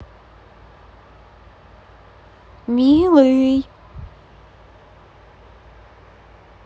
милый